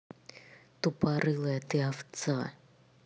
тупорылая ты овца